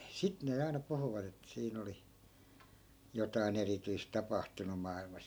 sitten ne aina puhuvat että siinä oli jotakin erityistä tapahtunut maailmassa